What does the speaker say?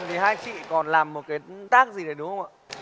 hai chị còn làm một cái động tác gì nữa đúng không ạ